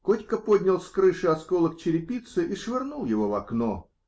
Котька поднял с крыши осколок черепицы и швырнул его в окно.